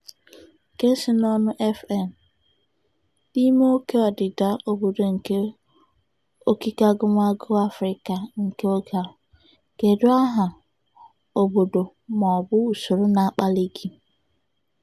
FN: N'ime oke odida obodo nke okike agụmagụ Africa nke oge a, kedụ aha, obodo ma ọ bụ usoro na-akpali gị?